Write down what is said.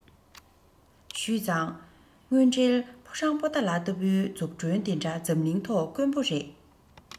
ཞུས ཙང དངོས འབྲེལ ཕོ བྲང པོ ཏ ལ ལྟ བུའི འཛུགས སྐྲུན དེ འདྲ འཛམ གླིང ཐོག དཀོན པོ རེད